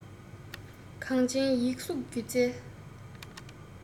གངས ཅན ཡིག གཟུགས སྒྱུ རྩལ